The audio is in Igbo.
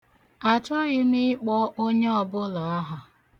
Achọghị ịkpọ onye ọbụla aha.